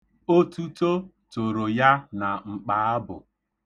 Otuto toro ya na mkpaabụ.